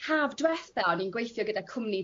Haf dwethe o'n i'n gweithio gyda cwmni...